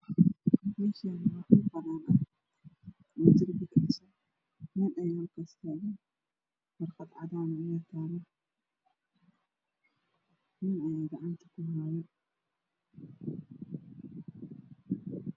Meeshaan waa dhul banaan ah oo darbi kadhisan nin ayaa halkaas taagan. Warqad cadaan ah ayaa taalo nin ayaa gacanta kuhaayo.